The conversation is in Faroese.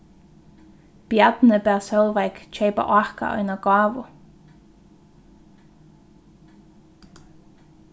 bjarni bað sólveig keypa áka eina gávu